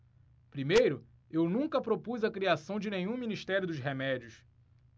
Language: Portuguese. primeiro eu nunca propus a criação de nenhum ministério dos remédios